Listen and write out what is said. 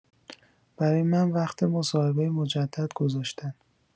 برای من وقت مصاحبه مجدد گذاشتن.